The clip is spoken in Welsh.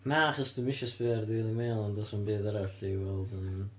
Na, achos dwi ddim isio sbïo ar y Daily Mail, ond does na'm byd arall i weld yn...